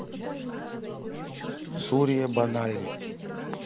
сурия бонали